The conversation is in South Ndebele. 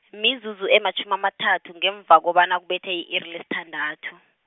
mizuzu ematjhumi amathathu ngemva kobana kubethe i-iri lesithandathu.